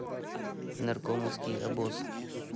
наркомовский обоз